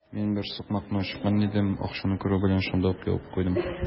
Мин бер сумканы ачкан идем, акчаны күрү белән, шунда ук ябып куйдым.